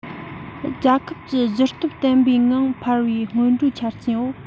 རྒྱལ ཁབ ཀྱི རྒྱུ སྟོབས བརྟན པོའི ངང འཕར བའི སྔོན འགྲོའི ཆ རྐྱེན འོག